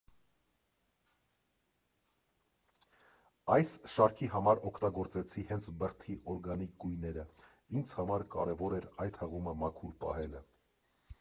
Այս շարքի համար օգտագործեցի հենց բրդի օրգանիկ գույները, ինձ համար կարևոր էր այդ հղումը մաքուր պահելը։